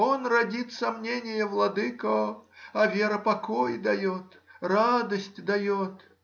он родит сомнения, владыко, а вера покой дает, радость дает.